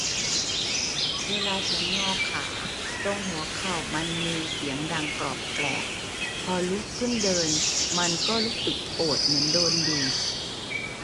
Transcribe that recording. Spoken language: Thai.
เวลาฉันงอขาตรงหัวเข่ามันมีเสียงดังกรอบแกรบพอลุกขึ้นเดินมันก็รู้สึกปวดเหมือนโดนบีบ